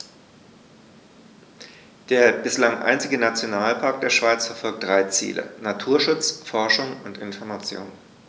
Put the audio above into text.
Der bislang einzige Nationalpark der Schweiz verfolgt drei Ziele: Naturschutz, Forschung und Information.